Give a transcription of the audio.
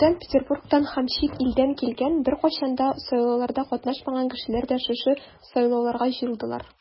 Мәскәүдән, Петербургтан һәм чит илдән килгән, беркайчан да сайлауларда катнашмаган кешеләр дә шушы сайлауларга җыелдылар.